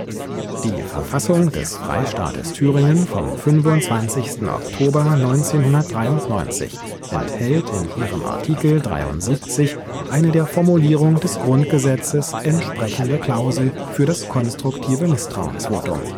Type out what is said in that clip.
Die Verfassung des Freistaats Thüringen vom 25. Oktober 1993 enthält in ihrem Artikel 73 eine der Formulierung des Grundgesetzes entsprechende Klausel für das konstruktive Misstrauensvotum